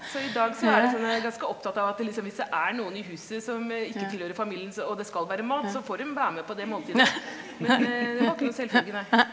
så i dag så er det sånn ganske opptatt av at liksom hvis det er noen i huset som ikke tilhører familien så og det skal være mat så får dem være med på det måltidet, men det var ikke noen selvfølge nei.